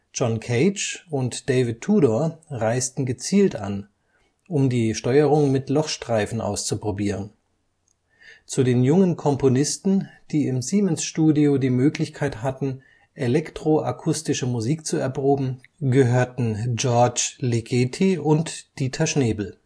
John Cage und David Tudor reisten gezielt an, um die Steuerung mit Lochstreifen auszuprobieren. Zu den jungen Komponisten, die im Siemens-Studio die Möglichkeit hatten elektroakustische Musik zu erproben, gehörten György Ligeti und Dieter Schnebel